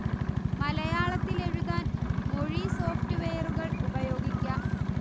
മലയാളത്തിലെഴുതാൻ മൊഴി സോഫ്റ്റ്വെയറുകൾ ഉപയോഗിക്കാം